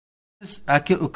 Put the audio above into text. biz aka